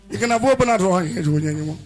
I kana bɔ bɛɛ dɔrɔn kɛ jugu ɲɛ ɲɛ